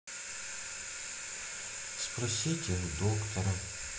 спросите у доктора